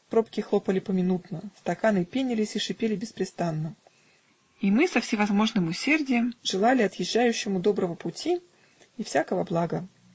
пробки хлопали поминутно, стаканы пенились и шипели беспрестанно, и мы со всевозможным усердием желали отъезжающему доброго пути и всякого блага.